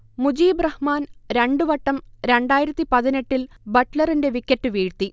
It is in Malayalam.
മുജീബ് റഹ്മാൻ രണ്ട് വട്ടം രണ്ടായിരത്തി പതിനെട്ടിൽ ബട്ട്ലറിന്റെ വിക്കറ്റ് വീഴ്ത്തി